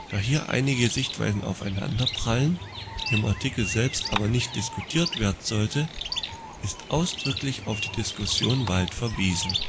Da hier einige Sichtweisen aufeinanderprallen, im Artikel selbst aber nicht diskutiert werden sollte, sei ausdrücklich auf die Diskussion:Wald verwiesen